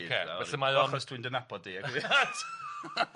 Ocê felly mae o'n... Achos dwi'n dy nabod di